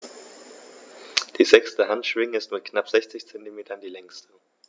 Die sechste Handschwinge ist mit knapp 60 cm die längste.